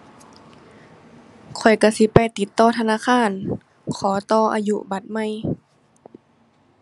ข้อยก็สิไปติดต่อธนาคาร ขอต่ออายุบัตรใหม่